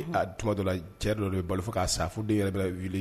Tuma dɔ cɛ dɔ bɛ' fo ka'a fo den yɛrɛ wele